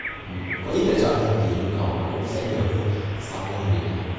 có ít lựa chọn hơn thì nhu cầu nó cũng sẽ nhiều hơn so với miền nam